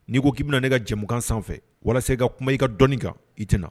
N'i ko k'i bɛna ne ka jɛmukan sanfɛ walasa i ka kuma i ka dɔni kan i tɛna